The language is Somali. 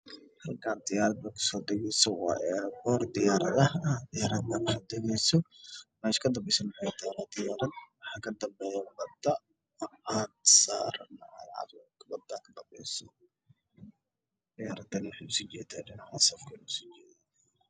Waa diyaarada Turki ah oo cadaan iyo guduud